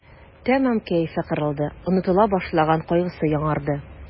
Тәмам кәефе кырылды, онытыла башлаган кайгысы яңарды.